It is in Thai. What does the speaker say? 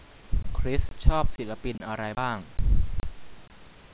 คริสชอบศิลปินอะไรบ้าง